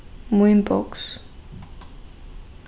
mínboks